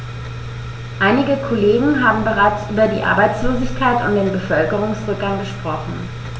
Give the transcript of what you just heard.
Einige Kollegen haben bereits über die Arbeitslosigkeit und den Bevölkerungsrückgang gesprochen.